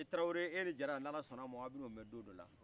e tarawele e ni jaara n'ala sɔnna a man a bɛna o mɛn don dɔ la